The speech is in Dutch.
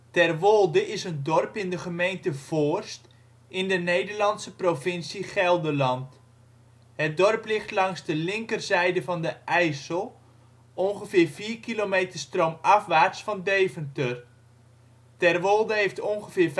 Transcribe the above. Terwolde is een dorp in de gemeente Voorst, in de Nederlandse provincie Gelderland. Het dorp ligt langs de linkerzijde van de IJssel, ongeveer 4 km stroomafwaarts van Deventer. Terwolde heeft ongeveer